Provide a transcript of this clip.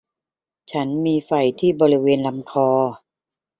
ฉันมีไฝที่บริเวณลำคอ